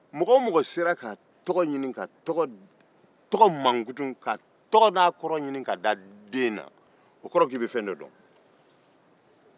maa o maa bɛɛ sera ka tɔgɔ n'a kɔrɔ ɲini k'a bil'a den na